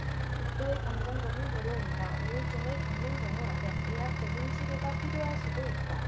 극도의 감정적인 괴로움이나 우울증을 겪는 경우라면 의학적인 치료가 필요할 수도 있다